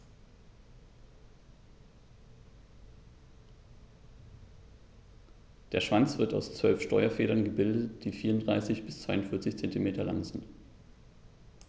Der Schwanz wird aus 12 Steuerfedern gebildet, die 34 bis 42 cm lang sind.